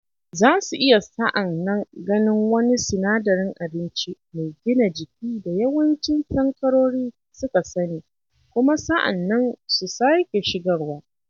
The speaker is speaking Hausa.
Za su iya sa’an nan ‘ganin’ wani sinadarin abinci mai gina jiki da yawancin sankarori suka sani kuma sa’an nan su sake shigarwa